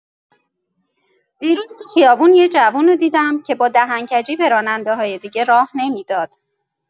دیروز تو خیابون یه جوون رو دیدم که با دهن‌کجی به راننده‌های دیگه راه نمی‌داد.